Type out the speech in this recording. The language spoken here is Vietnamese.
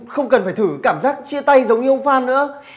không cần phải thử cái cảm giác chia tay giống như ông phan nữa